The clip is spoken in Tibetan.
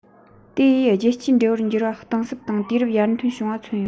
དེ ཡིས རྒྱལ སྤྱིའི འབྲེལ བར འགྱུར བ གཏིང ཟབ དང དུས རབས ཡར ཐོན བྱུང བ མཚོན ཡོད